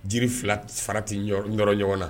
Jiri 2 fara tɛ nɔrɔ ɲɔgɔn na.